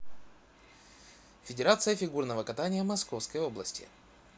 федерация фигурного катания московской области